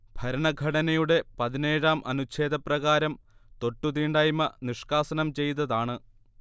ഭരണഘടനയുടെ പതിനേഴാം അനുഛേദപ്രകാരം തൊട്ടുതീണ്ടായ്മ നിഷ്കാസനം ചെയ്തതാണ്